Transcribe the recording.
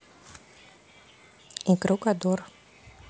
игрок adore